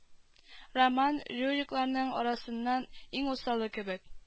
Роман-рюрикларның арасыннан иң усалы кебек